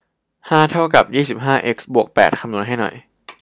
ห้าเท่ากับยี่สิบห้าเอ็กซ์บวกแปดคำนวณให้หน่อย